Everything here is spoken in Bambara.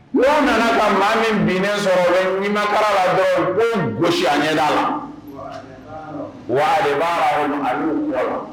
Nu nana ka maa min binnen sɔrɔ o bi nimakarala dɔrɔn u bo gosi a ɲɛda la